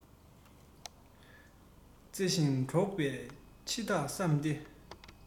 བརྩེ ཞིང འགྲོགས པའི ཕྱི ཐག བསམ སྟེ